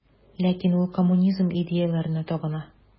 Ләкин ул коммунизм идеяләренә табына.